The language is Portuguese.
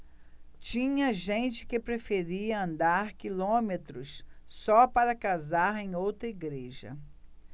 tinha gente que preferia andar quilômetros só para casar em outra igreja